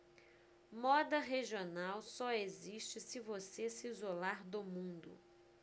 moda regional só existe se você se isolar do mundo